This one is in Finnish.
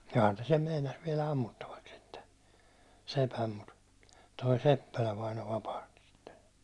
johan ne sen meinasi viedä ammuttavaksi sitten sepän mutta tuo Seppälä vainaja vapahti sitten